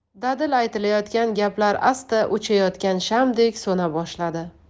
dadil aytilayotgan gaplar asta o'chayotgan shamdek so'na boshladi